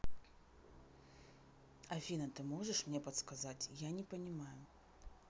афина ты можешь мне подсказать я не понимаю